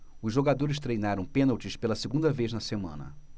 os jogadores treinaram pênaltis pela segunda vez na semana